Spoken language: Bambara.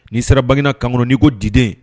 N'i sera Bangida camp kɔnɔ n'i ko Dide?